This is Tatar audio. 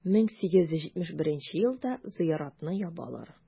1871 елда зыяратны ябалар.